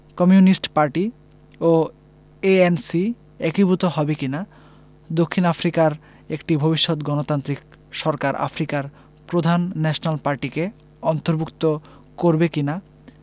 communist party ও ANC একীভূত হবে কি না দক্ষিণ আফ্রিকার একটি ভবিষ্যৎ গণতান্ত্রিক সরকার আফ্রিকার প্রধান ন্যাশনাল পার্টিকে অন্তর্ভুক্ত করবে কি না